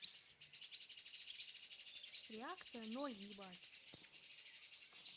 реакция ноль ебать